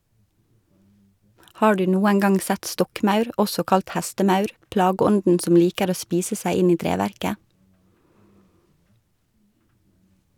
Har du noen gang sett stokkmaur , også kalt hestemaur , plageånden som liker å spise seg inn i treverket?